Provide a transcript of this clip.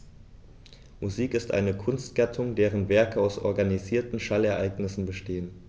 Musik ist eine Kunstgattung, deren Werke aus organisierten Schallereignissen bestehen.